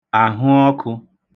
àhụọkụ̄